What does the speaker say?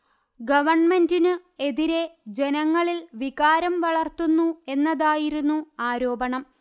ഗവണ്മെന്റിനു എതിരെ ജനങ്ങളിൽ വികാരം വളർത്തുന്നു എന്നായിരുന്നു ആരോപണം